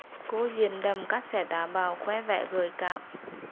cô diện đầm cắt xẻ táo bạo khoe vẻ gợi cảm